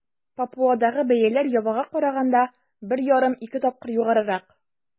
Папуадагы бәяләр Явага караганда 1,5-2 тапкыр югарырак.